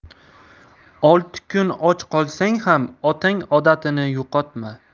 olti kun och qolsang ham otang odatini qo'yma